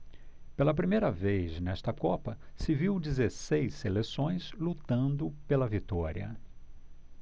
pela primeira vez nesta copa se viu dezesseis seleções lutando pela vitória